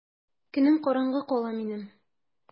Көнем караңгы кала минем!